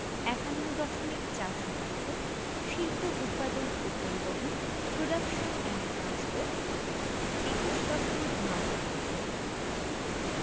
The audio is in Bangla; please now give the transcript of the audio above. ৫১ দশমিক ৪ শতাংশ শিল্প উৎপাদন ও পরিবহণ প্রোডাকশন এন্ড ট্রান্সপোর্ট ২১ দশমিক ৯ শতাংশ